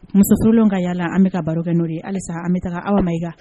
Muso furulen ka yala an bɛka ka baro kɛ'ɔri ye halisa an bɛ taa aw ma i